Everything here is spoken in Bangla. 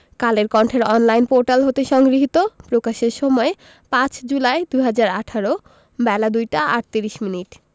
কালের কন্ঠের অনলাইন পোর্টাল হতে সংগৃহীত প্রকাশের সময় ৫ জুলাই ২০১৮ বেলা ২টা ৩৮ মিনিট